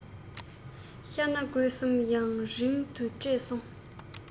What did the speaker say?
ཤྭ གནའ དགོ གསུམ ཡང རིང དུ བསྐྲད སོང